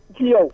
ci yow